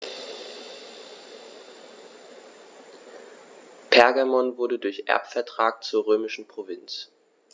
Pergamon wurde durch Erbvertrag zur römischen Provinz.